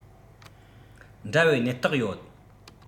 འདྲ བའི ནད རྟགས ཡོད